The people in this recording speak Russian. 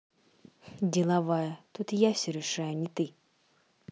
деловая тут я все решаю не ты